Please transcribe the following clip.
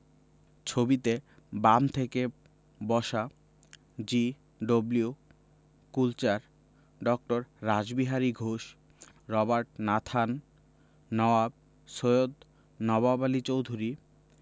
ছবিতে বাম থেকে বসা জি.ডব্লিউ. কুলচার ড. Rashbehari Ghosh Robert Nathan Nawab Syed Nawab Ali Chowdhury